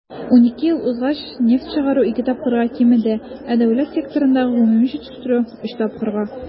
12 ел узгач нефть чыгару ике тапкырга кимеде, ә дәүләт секторындагы гомуми җитештерү - өч тапкырга.